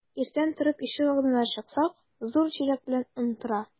Иртән торып ишек алдына чыксак, зур чиләк белән он тора.